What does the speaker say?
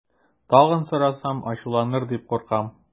Тагын сорасам, ачуланыр дип куркам.